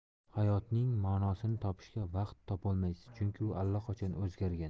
hayotning ma'nosini topishga vaqt topolmaysiz chunki u allaqachon o'zgargan